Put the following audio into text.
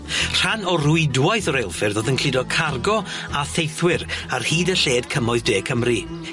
Rhan o rwydwaith reilffyrdd o'dd yn cludo cargo a theithwyr ar hyd a lled cymoedd De Cymru.